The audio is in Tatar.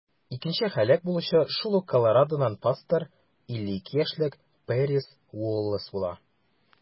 Икенче һәлак булучы шул ук Колорадодан пастор - 52 яшьлек Пэрис Уоллэс була.